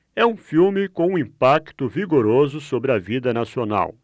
é um filme com um impacto vigoroso sobre a vida nacional